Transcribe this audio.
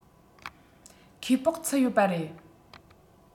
ཁེ སྤོགས ཚུད ཡོད པ རེད